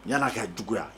Ɲan'a ka juguya